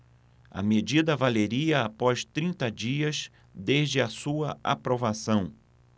a medida valeria após trinta dias desde a sua aprovação